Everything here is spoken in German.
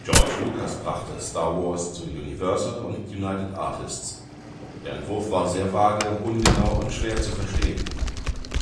George Lucas brachte Star Wars zu Universal und United Artists. Der Entwurf war sehr vage, ungenau und schwer zu verstehen.